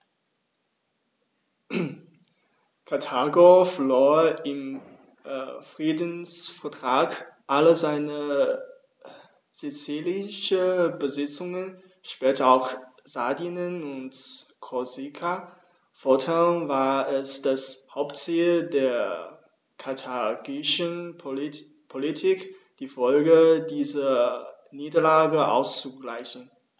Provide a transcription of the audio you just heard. Karthago verlor im Friedensvertrag alle seine sizilischen Besitzungen (später auch Sardinien und Korsika); fortan war es das Hauptziel der karthagischen Politik, die Folgen dieser Niederlage auszugleichen.